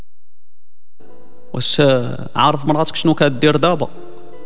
عرف مراتب الدين